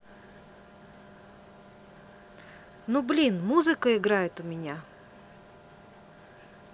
ну блин музыка играет у меня